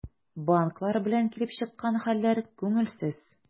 Банклар белән килеп чыккан хәлләр күңелсез.